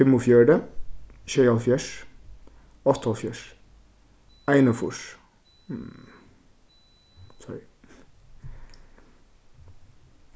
fimmogfjøruti sjeyoghálvfjerðs áttaoghálvfjerðs einogfýrs sorry